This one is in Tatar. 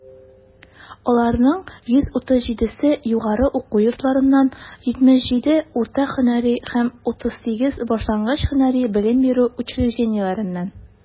Аларның 137 се - югары уку йортларыннан, 77 - урта һөнәри һәм 38 башлангыч һөнәри белем бирү учреждениеләреннән.